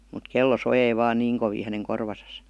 mutta kello soi vain niin kovin hänen korvassaan